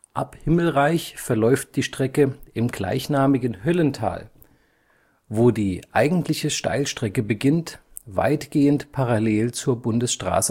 Ab Himmelreich verläuft die Strecke im gleichnamigen Höllental, wo die eigentliche Steilstrecke beginnt, weitgehend parallel zur Bundesstraße